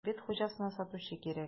Кибет хуҗасына сатучы кирәк.